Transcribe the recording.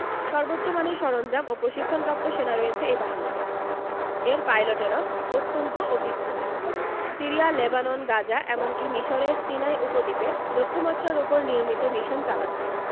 সর্বোচ্চ মানের সরঞ্জাম ও প্রশিক্ষণপ্রাপ্ত সেনা রয়েছে এ বাহিনীতে এর পাইলটেরাও অত্যন্ত অভিজ্ঞ সিরিয়া লেবানন গাজা এমনকি মিসরের সিনাই উপদ্বীপে লক্ষ্যমাত্রার ওপর নিয়মিত মিশন চালাচ্ছে